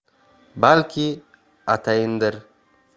balki atayindir